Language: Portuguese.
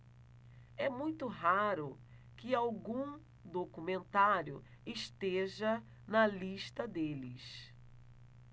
é muito raro que algum documentário esteja na lista deles